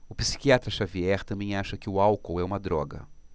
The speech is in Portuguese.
o psiquiatra dartiu xavier também acha que o álcool é uma droga